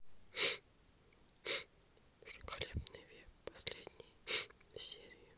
великолепный век последние серии